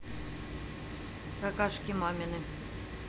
какашки мамины